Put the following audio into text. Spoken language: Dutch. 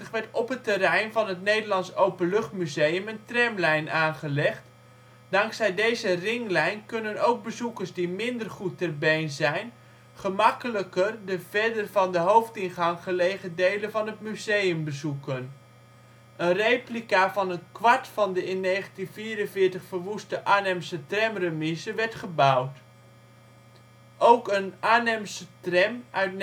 terrein van het Nederlands Openluchtmuseum een tramlijn aangelegd. Dankzij deze ringlijn kunnen ook bezoekers die minder goed ter been zijn gemakkelijker de verder van de hoofdingang gelegen delen van het museum bezoeken. Een replica van een kwart van de in 1944 verwoeste Arnhemse tramremise werd gebouwd. Ook een Arnhemse tram uit